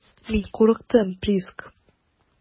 Мин курыктым, Приск.